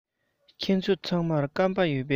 ཁྱེད ཚོ ཚང མར སྐམ པ ཡོད པས